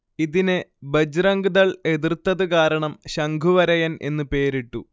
ഇതിനെ ബജ്റംഗ്ദൾ എതിർത്തത് കാരണം 'ശംഖുവരയൻ' എന്ന് പേരിട്ടു